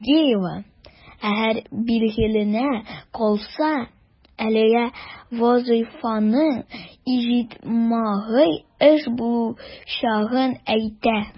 Сергеева, әгәр билгеләнә калса, әлеге вазыйфаның иҗтимагый эш булачагын әйтә.